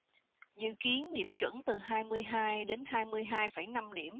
dự kiến điểm chuẩn từ hai mươi hai đến hai mươi hai phẩy năm điểm